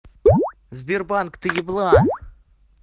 сбербанк ты еблан